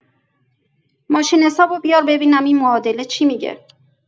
ماشین‌حساب رو بیار ببینم این معادله چی می‌گه!